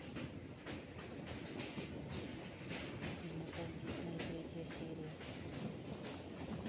винни пух дисней третья серия